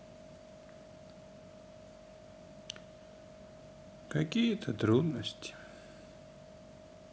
какие то трудности